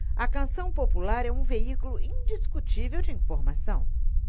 a canção popular é um veículo indiscutível de informação